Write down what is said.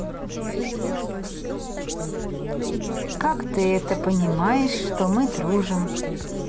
как ты это понимаешь что мы дружим